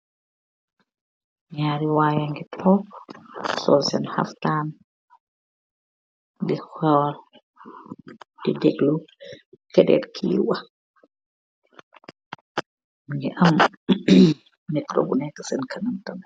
Nyari waye ya ngi tokk, soll sen haftan, di holl, di deglu. Keneen ki wah, mu ngi am mikro bu neka sen kanam tam.